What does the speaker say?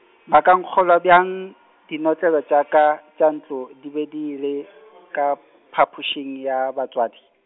ba ka nkgolwa bjang, dinotlelo tša ka tša ntlo di be di le, ka phapošing ya batswadi?